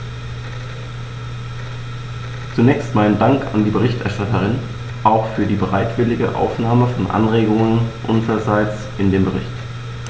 Zunächst meinen Dank an die Berichterstatterin, auch für die bereitwillige Aufnahme von Anregungen unsererseits in den Bericht.